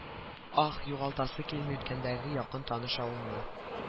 Ах югалтасы килми үткәндәге якын таныш авылны